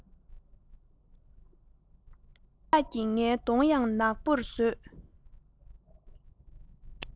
དུ ཞགས ཀྱིས ངའི གདོང ཡང ནག པོར བཟོས